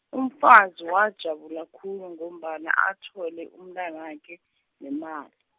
umfazi wajabula khulu ngombana athole umntwanakhe, nemali.